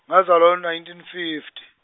ngazalwa ngo- nineteen fifty.